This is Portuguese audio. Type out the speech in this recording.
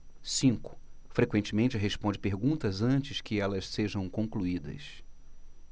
cinco frequentemente responde perguntas antes que elas sejam concluídas